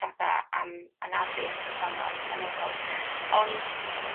Fatha am anafu a stwff fel 'na yn benodol, ond